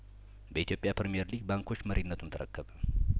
በኢትዮጵያ ፕሪምየር ሊግ ባንኮች መሪነቱን ተረከበ